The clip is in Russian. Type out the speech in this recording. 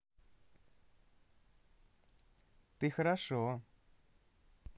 ты хорошо